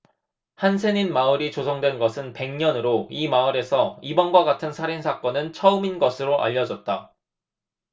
한센인 마을이 조성된 것은 백 년으로 이 마을에서 이번과 같은 살인 사건은 처음인 것으로 알려졌다